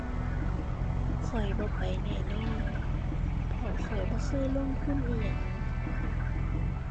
ข้อยบ่ไปแน่นอน เพราะข้อยบ่เคยลงทุนอิหยัง